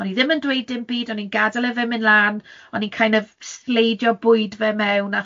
o'n i ddim yn dweud dim byd, o'n i'n gadael i fe mynd lan, o'n i'n kind of sleidio bwyd fe mewn,